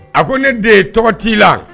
A ko ne de ye tɔgɔ t'i la